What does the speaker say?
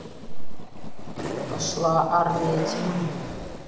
пошла армия тьмы